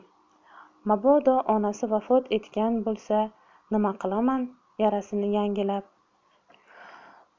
mabodo onasi vafot etgan bo'lsa nima qilaman yarasini yangilab